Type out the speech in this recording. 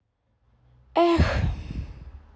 эх